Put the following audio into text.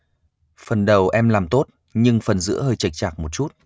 phần đầu em làm tốt nhưng phần giữa hơi chệch nhạc một chút